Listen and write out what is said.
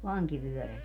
vankivyöräri